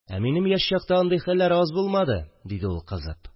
– ә минем яшь чакта андый хәлләр аз булмады, – диде ул кызып